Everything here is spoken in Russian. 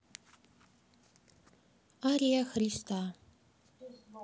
ария христа